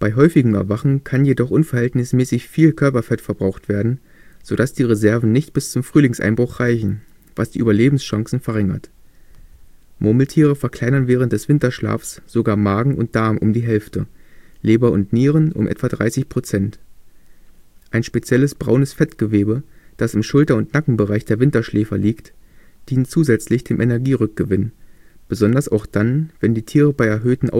häufigem Erwachen kann jedoch unverhältnismäßig viel Körperfett verbraucht werden, sodass die Reserven nicht bis zum Frühlingseinbruch reichen, was die Überlebenschancen verringert. Murmeltiere verkleinern während des Winterschlafes sogar Magen und Darm um die Hälfte, Leber und Nieren um etwa 30 Prozent. Ein spezielles braunes Fettgewebe, das im Schulter - und Nackenbereich der Winterschläfer liegt, dient zusätzlich dem Energierückgewinn, besonders auch dann, wenn die Tiere bei erhöhten